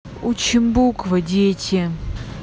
учим буквы дети